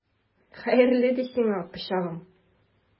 Хәерле ди сиңа, пычагым!